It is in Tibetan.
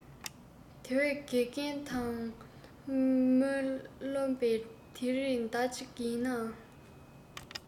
དེ བས དགེ རྒན དུང མོའི ལོན པ དེ རེས ཟླ གཅིག ཡིན ནའང